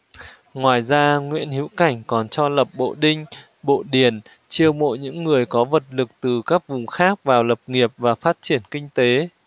ngoài ra nguyễn hữu cảnh còn cho lập bộ đinh bộ điền chiêu mộ những người có vật lực từ các vùng khác vào lập nghiệp và phát triển kinh tế